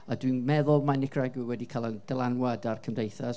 a dwi'n meddwl mae Nicaragua wedi cael y dylanwad ar Cymdeithas,